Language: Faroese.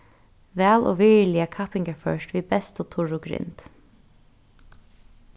væl og virðiliga kappingarført við bestu turru grind